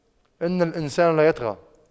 إِنَّ الإِنسَانَ لَيَطغَى